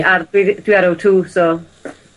ar, be' fi, dwi ar oh two so